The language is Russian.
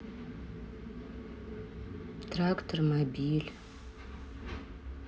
трактор мобиль